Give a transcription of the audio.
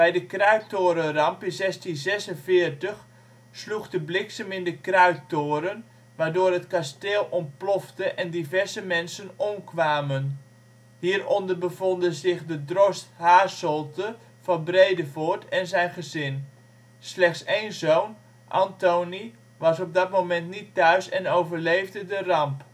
de Kruittorenramp in 1646 sloeg de bliksem in de kruittoren, waardoor het kasteel ontplofte en diverse mensen omkwamen. Hieronder bevonden zich de drost Haersolte van Bredevoort en zijn gezin. Slechts een zoon, Anthonie, was op dat moment niet thuis en overleefde de ramp